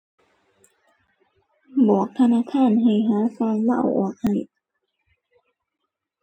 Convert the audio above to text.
บอกธนาคารให้หาช่างมาเอาออกให้